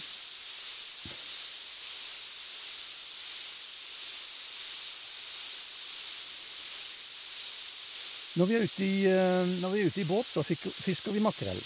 når vi er ute i Når vi er ute i båt, så fikke fisker vi makrell.